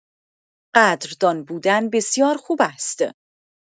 قدردان‌بودن بسیار خوب است.